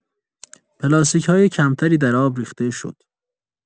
پلاستیک‌های کم‌تری در آب ریخته شد.